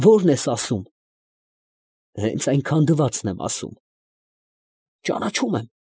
Ո՞րն ես ասում։ ֊ Հենց այն քանդվածն եմ ասում։ ֊ Ճանաչում եմ։